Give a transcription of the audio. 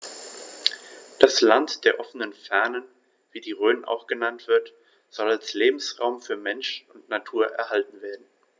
Das „Land der offenen Fernen“, wie die Rhön auch genannt wird, soll als Lebensraum für Mensch und Natur erhalten werden.